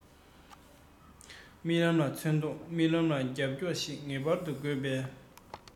རྨི ལམ ལ ཚོན མདོག རྨི ལམ ལ རྒྱབ རོགས ཤིག ངེས པར དུ དགོས པས